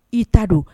I ta don